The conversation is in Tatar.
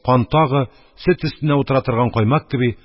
Кан тагы, сөт өстенә утыра торган каймак кеби,